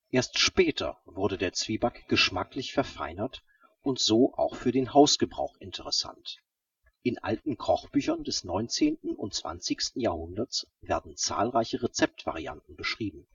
Erst später wurde der Zwieback geschmacklich verfeinert und so auch für den Hausgebrauch interessant. In alten Kochbüchern des 19. und 20. Jahrhunderts werden zahlreiche Rezeptvarianten beschrieben